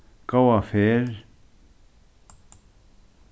góða ferð